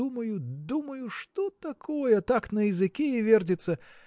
думаю, думаю, что такое, так на языке и вертится